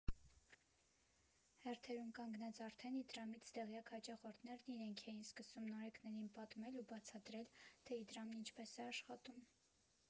Հերթերում կանգնած արդեն Իդրամից տեղյակ հաճախորդներն իրենք էին սկսում նորեկներին պատմել ու բացատրել, թե Իդրամն ինչպես է աշխատում։